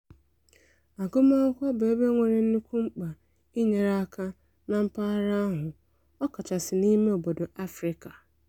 Agụmụakwụkwọ bụ ebe nwere nnukwu mkpa ịnyere aka na mpaghara ahụ, ọkachasị n'ịme obodo Afrịka.